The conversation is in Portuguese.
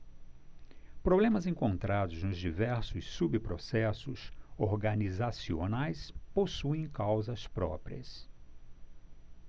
problemas encontrados nos diversos subprocessos organizacionais possuem causas próprias